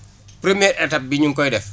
première étape bi ñu ngi koy def